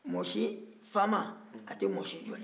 mɔsifaama a tɛ mɔsi jɔlen ye